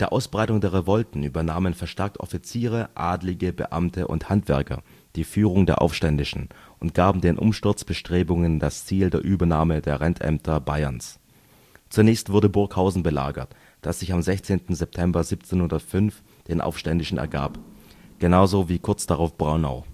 Ausbreitung der Revolten übernahmen verstärkt Offiziere, Adlige, Beamte und Handwerker die Führung der Aufständischen und gaben den Umsturzbestrebungen das Ziel der Übernahme der Rentämter Bayerns. Zunächst wurde Burghausen belagert, das sich am 16. Dezember 1705 den Aufständischen ergab, genauso wie kurz darauf Braunau